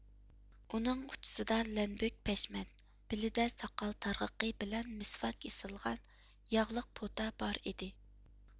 ئۇنىڭ ئۇچىسىدا لەنبۆك پەشمەت بېلىدە ساقال تارغىقى بىلەن مىسۋاك ئېسىلغان ياغلىق پوتا بار ئىدى